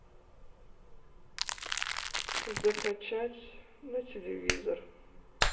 закачать на телевизор